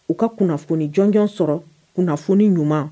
U ka kunnafoni jɔnɔn sɔrɔ kunnafoni ɲuman